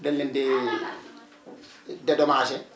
lañ leen di dédommagé